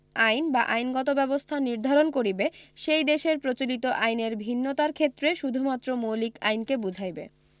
আইন বা আইনগত ব্যবস্থা নির্ধারণ করিবে সেই দেশের প্রচলিত আইনের ভিন্নতার ক্ষেত্রে শুধুমাত্র মৌলিক আইনকে বুঝাইবে